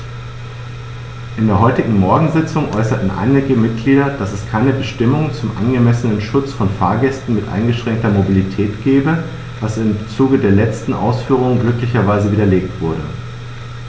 In der heutigen Morgensitzung äußerten einige Mitglieder, dass es keine Bestimmung zum angemessenen Schutz von Fahrgästen mit eingeschränkter Mobilität gebe, was im Zuge der letzten Ausführungen glücklicherweise widerlegt wurde.